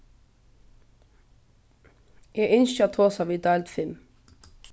eg ynski at tosa við deild fimm